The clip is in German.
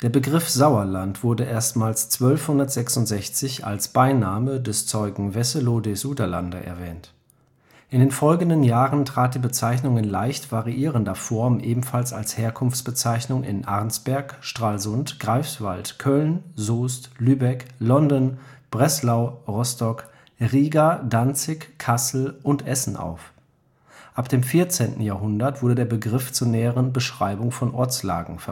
Begriff Sauerland wurde erstmals 1266 als Beiname des Zeugen Wesselo de Suderlande erwähnt. In den folgenden Jahren trat die Bezeichnung in leicht variierender Form ebenfalls als Herkunftsbezeichnung in Arnsberg, Stralsund, Greifswald, Köln, Soest, Lübeck, London, Breslau, Rostock, Riga, Danzig, Kassel und Essen auf. Ab dem 14. Jahrhundert wurde der Begriff zur näheren Beschreibung von Ortslagen